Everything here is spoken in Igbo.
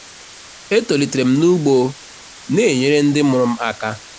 Etolitere m n'ugbo, na-enyere ndị mụrụ m aka.